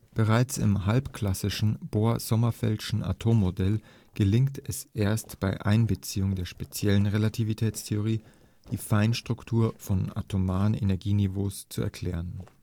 Bereits im halbklassischen Bohr-Sommerfeld'schen Atommodell gelingt es erst bei Einbeziehung der speziellen Relativitätstheorie, die Feinstruktur von atomaren Energieniveaus zu erklären